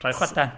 Traed chwadan.